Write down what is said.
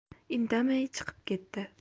indamay chiqib ketdi